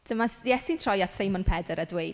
Dyma s- Iesu'n troi at Seimon Pedr a dweud